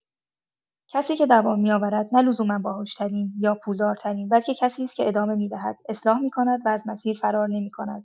کسی که دوام می‌آورد، نه لزوما باهوش‌ترین یا پولدارترین، بلکه کسی است که ادامه می‌دهد، اصلاح می‌کند و از مسیر فرار نمی‌کند.